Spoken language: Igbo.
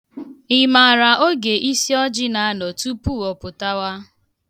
Ị mara oge isiọjị na-anọ tupu ọ pụtawa?